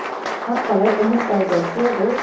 har qalay umr savdosi ya bu